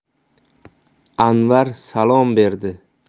anvar salom berdi